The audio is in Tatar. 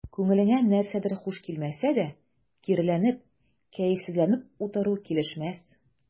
Күңелеңә нәрсәдер хуш килмәсә дә, киреләнеп, кәефсезләнеп утыру килешмәс.